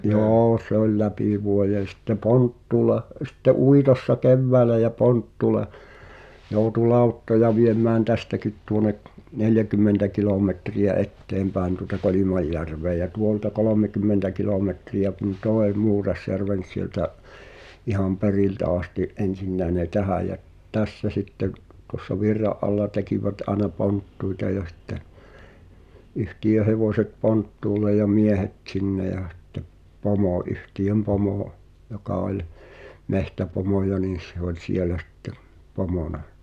joo se oli läpi vuoden sitten ponttuulla sitten uitossa keväällä ja ponttuulla joutui lauttoja viemään tästäkin tuonne neljäkymmentä kilometriä eteenpäin tuota Kolimajärven ja tuolta kolmekymmentä kilometriä kun tuon Muurasjärven - sieltä ihan periltä asti ensinnäkin ne tähän ja tässä sitten tuossa virran alla tekivät aina ponttuita ja sitten yhtiön hevoset ponttuulle ja miehet sinne ja sitten pomo yhtiön pomo joka oli metsäpomoja niin - se oli siellä sitten pomona